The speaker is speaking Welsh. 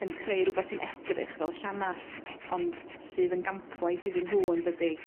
yn creu r'wbath sy'n edrych fel llanast ond sydd yn gampwaith iddyn nhw yndydi?